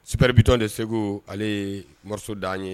Super Biton de Segou ale ye morceau da an ye.